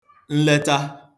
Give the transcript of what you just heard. nleta